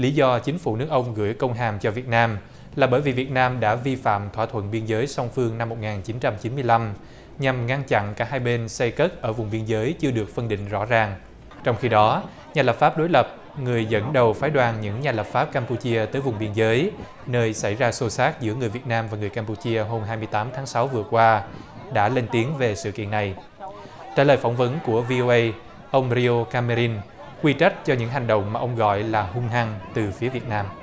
lý do chính phủ nước ông gửi công hàm cho việt nam là bởi vì việt nam đã vi phạm thỏa thuận biên giới song phương năm một ngàn chín trăm chín mươi lăm nhằm ngăn chặn cả hai bên xây cất ở vùng biên giới chưa được phân định rõ ràng trong khi đó nhà lập pháp đối lập người dẫn đầu phái đoàn những nhà lập pháp cam pu chia tới vùng biên giới nơi xảy ra xô xát giữa người việt nam và người cam pu chia hôm hai mươi tám tháng sáu vừa qua đã lên tiếng về sự kiện này trả lời phỏng vấn của vi ô ây ông ri ô cam mê rin quy tất cho những hành động mà ông gọi là hung hăng từ phía việt nam